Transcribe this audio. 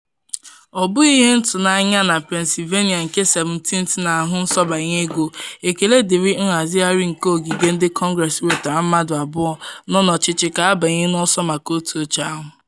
Ọ bụghị ihe ntụnanya na Pennsylvannia nke 17th na ahụ nsọbanye ego, ekele dịịrị nhazigharị nke ogige ndị kọngress nwetara mmadụ abụọ nọ n’ọchịchị ka ha banye n’ọsọ maka otu oche ahụ.